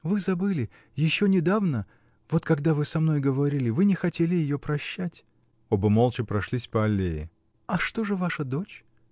-- Вы забыли, -- еще недавно, вот когда вы со мной говорили, вы не хотели ее прощать. Оба молча прошлись по аллее. -- А что же ваша дочь?